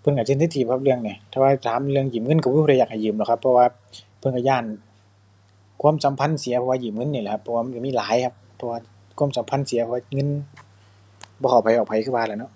เพิ่นก็เซนซิทิฟครับเรื่องนี้ แต่ว่าถามเรื่องยืมเงินก็บ่มีผู้ใดอยากให้ยืมดอกครับ แต่ว่าเพิ่นก็ย้านความสัมพันธ์เสียเพราะว่ายืมเงินนี่ล่ะครับ เพราะว่ามันก็มีหลายครับ เพราะว่าความสัมพันธ์เสีย เพราะว่าเงิน บ่เข้าไผออกไผคือว่าแหละเนาะ